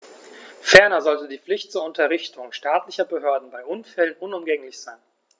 Ferner sollte die Pflicht zur Unterrichtung staatlicher Behörden bei Unfällen unumgänglich sein.